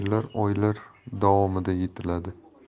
yillar oylar davomida yetiladi